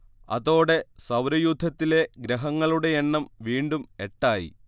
അതോടെ സൗരയൂഥത്തിലെ ഗ്രഹങ്ങളുടെയെണ്ണം വീണ്ടും എട്ടായി